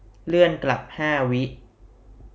เลื่อนกลับห้าวิ